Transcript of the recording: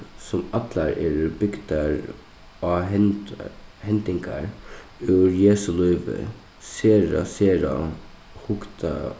sum allar eru bygdar á hendingar úr jesu lívi sera sera